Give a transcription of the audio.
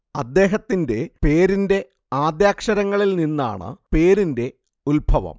അദ്ദേഹത്തിന്റെ പേരിന്റെ ആദ്യാക്ഷരങ്ങളിൽ നിന്നാണ് പേരിന്റെ ഉത്ഭവം